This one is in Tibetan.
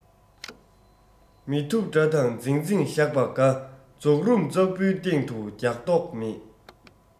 མི ཐུབ དགྲ དང འཛིང འཛིང བཞག པ དགའ མཛོག རུམ གཙག བུའི སྟེང དུ རྒྱག མདོག མེད